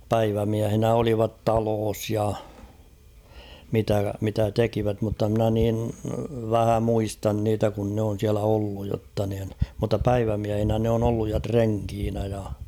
päivämiehinä olivat talossa ja mitä mitä tekivät mutta minä niin vähän muistan niitä kun ne on siellä ollut jotta niin mutta päivämiehinä ne on ollut ja renkinä ja